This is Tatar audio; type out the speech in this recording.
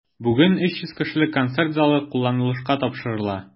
Бүген 300 кешелек концерт залы кулланылышка тапшырыла.